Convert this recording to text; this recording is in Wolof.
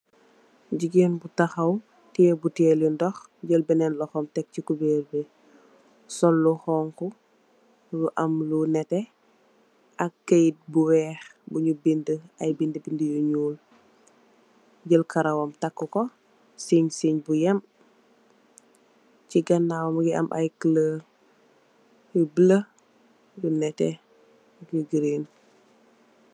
Gigain bu tahaw teyeh butelli ndoh jel benen lohom tekk sey kuberr bi sol lu hunhu lu am lu neteh ak keit bu weih bunyu bindi i bindi bindi yu nyuul jel karawam takako seeng seeng bu emm sey ganaw Mungi am i kulorr yu buloo yu neteh yu gereen.